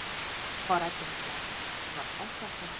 qora tuynuklar